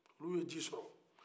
olu ye ji sɔrɔ